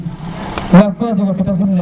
yaag koy a jega kete sim na